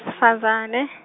sifazane.